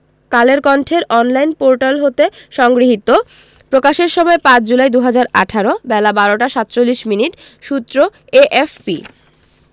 কালের কন্ঠের online portal হতে সংগৃহীত প্রকাশের সময় ৫ জুলাই ২০১৮ বেলা ১২টা ৪৭ মিনিট সূত্র এএফপি